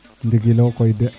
ndigilo koy de